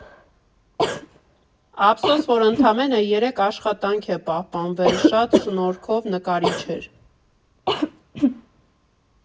Ափսոս, որ ընդամենը երեք աշխատանք է պահպանվել, շատ շնորհքով նկարիչ էր։